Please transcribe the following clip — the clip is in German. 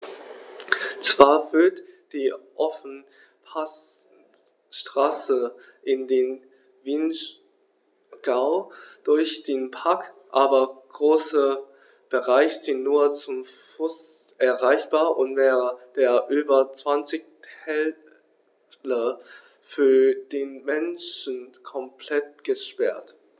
Zwar führt die Ofenpassstraße in den Vinschgau durch den Park, aber große Bereiche sind nur zu Fuß erreichbar und mehrere der über 20 Täler für den Menschen komplett gesperrt.